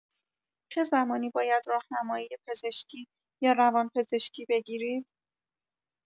چه زمانی باید راهنمایی پزشکی یا روان‌پزشکی بگیرید؟